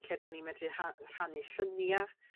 lle 'dan ni'n medru ha- rhannu llunia'